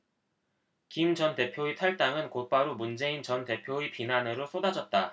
김 전 대표의 탈당은 곧바로 문재인 전 대표의 비난으로 쏟아졌다